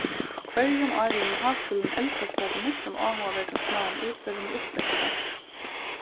á hvørjum ári hevur háskúlin eldraskeið við nógvum áhugaverdum smáum útferðum og upplestri